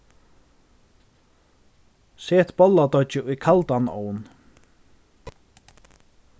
set bolladeiggið í kaldan ovn